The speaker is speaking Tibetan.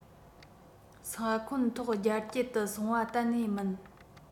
ས ཁོངས ཐོག རྒྱ སྐྱེད དུ སོང བ གཏན ནས མིན